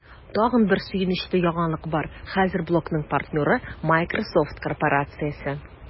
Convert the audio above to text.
Тагын бер сөенечле яңалык бар: хәзер блогның партнеры – Miсrosoft корпорациясе!